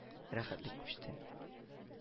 Хәтлек күчте. –